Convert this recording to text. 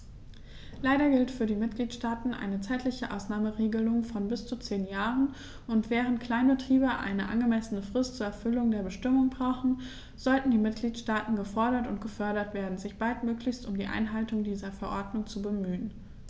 Leider gilt für die Mitgliedstaaten eine zeitliche Ausnahmeregelung von bis zu zehn Jahren, und, während Kleinbetriebe eine angemessene Frist zur Erfüllung der Bestimmungen brauchen, sollten die Mitgliedstaaten gefordert und gefördert werden, sich baldmöglichst um die Einhaltung dieser Verordnung zu bemühen.